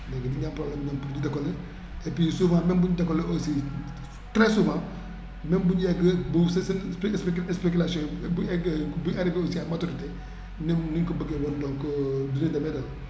léegi dañuy am problème ñoom pour ñu décoller et puis souvent même bu ñu décoller aussi très souvent même bu ñu yeggee bu seen spécu spéculation yi du egg du arrivé aussi à maturité nim ñi ni ñu ko bëggee noonu lañ ko nii lay demee daal